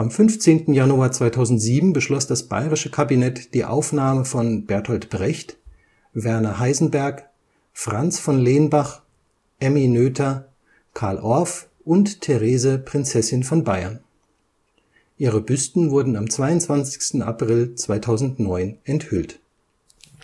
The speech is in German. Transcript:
15. Januar 2007 beschloss das Bayerische Kabinett die Aufnahme von Bertolt Brecht, Werner Heisenberg, Franz von Lenbach, Emmy Noether, Carl Orff und Therese Prinzessin von Bayern. Ihre Büsten wurden am 22. April 2009 enthüllt. Die